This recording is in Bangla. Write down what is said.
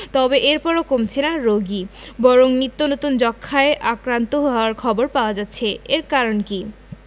তবে এরপরও কমছে না রোগী বরং নিত্যনতুন ধরনের যক্ষ্মায় আক্রান্ত হওয়ার খবর পাওয়া যাচ্ছে এর কারণ কী